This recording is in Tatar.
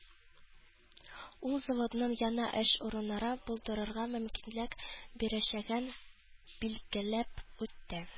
Ул заводның яңа эш урыннары булдырырга мөмкинлек бирәчәген билгеләп үтте